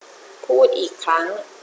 พูดอีกครั้ง